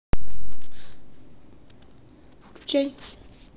включай